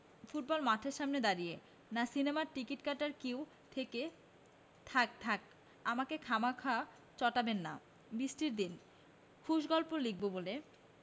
football মাঠের সামনে দাঁড়িয়ে না সিনেমার টিকিট কাটার কিউ থেকে থাক্ থাক্ আমাকে খামাখা চটাবেন না বৃষ্টির দিন খুশ গল্প লিখব বলে